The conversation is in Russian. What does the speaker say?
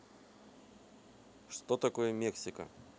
что такое мексика